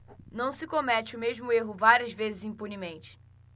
não se comete o mesmo erro várias vezes impunemente